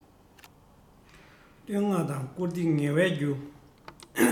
བསྟོད བསྔགས དང བཀུར བསྟི ངལ བའི རྒྱུ